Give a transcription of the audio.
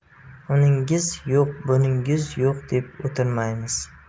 uningiz yo'q buningiz yo'q deb o'tirmaymiz